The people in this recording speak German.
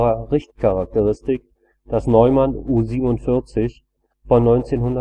Richtcharakteristik, das Neumann U47 von 1949